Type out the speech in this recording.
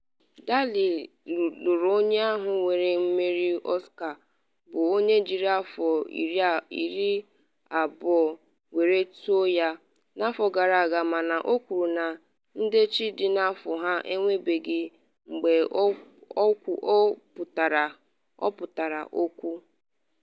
Daley lụrụ onye ahụ were mmeri Oscar, bụ onye jiri afọ 20 were tọọ ya, n’afọ gara aga mana o kwuru na ndịiche dị n’afọ ha enwebeghị mgbe ọ pụtara okwu.